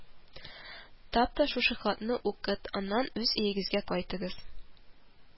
Тап та шушы хатны укыт, аннан үз өегезгә кайтыгыз